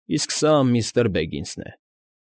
Իսկ սա միստր Բեգինսն է։